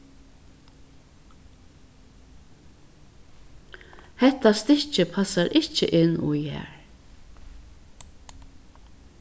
hetta stikkið passar ikki inn í har